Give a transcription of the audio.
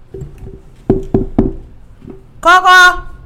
Ko